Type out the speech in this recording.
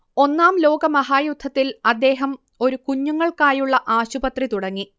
ഒന്നാം ലോകമഹായുദ്ധത്തിൽ അദ്ദേഹം ഒരു കുഞ്ഞുങ്ങൾക്കാായുള്ള ആശുപത്രി തുടങ്ങി